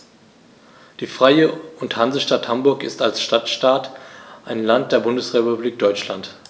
Die Freie und Hansestadt Hamburg ist als Stadtstaat ein Land der Bundesrepublik Deutschland.